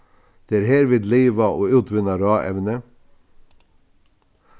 tað er her vit liva og útvinna ráevni